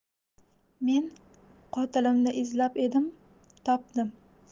men qotilimni izlab edim topdim